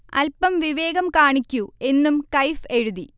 'അൽപം വിവേകം കാണിക്കൂ' എന്നും കയ്ഫ് എഴുതി